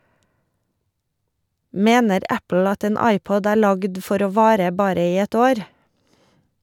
- Mener Apple at en iPod er lagd for å vare bare i ett år?